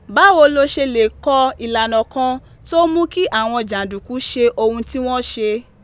Báwo lo ṣe lè kọ ìlànà kan tó mú kí àwọn jàǹdùkú ṣe ohun tí wọ́n ṣe?